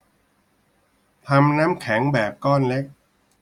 ทำน้ำแข็งแบบก้อนเล็ก